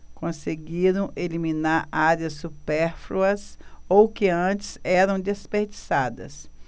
conseguiram eliminar áreas supérfluas ou que antes eram desperdiçadas